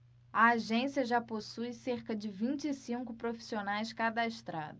a agência já possui cerca de vinte e cinco profissionais cadastrados